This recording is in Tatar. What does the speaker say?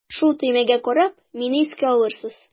Шул төймәгә карап мине искә алырсыз.